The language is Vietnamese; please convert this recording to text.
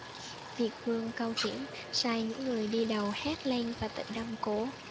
việt vương câu tiễn sai những người đi đầu hét lên và tự đâm cổ